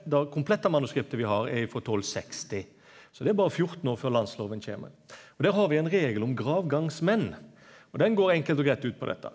det komplette manuskriptet vi har er ifrå tolvseksti, så det er berre 14 år før landsloven kjem, og der har vi ein regel om gravgangsmenn og den går enkelt og greitt ut på dette.